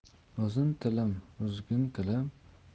uzun tilim uzgun tilim